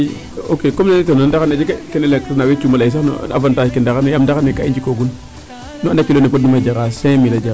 II ok comme ne laytanoona ndaxar ne a jega kene la weecuma lay sax no avantage ke ndaxar ne yaam ndaxar ne ka i njikoogun nu anda kilo ne podnuma jaraa cinq mille a jaraa .